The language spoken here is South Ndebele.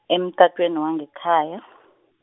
emtatweni wangekhaya .